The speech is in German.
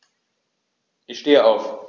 Ich stehe auf.